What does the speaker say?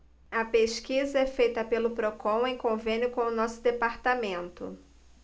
a pesquisa é feita pelo procon em convênio com o diese